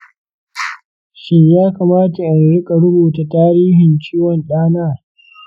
shin ya kamata in riƙa rubuta tarihin ciwon ɗana?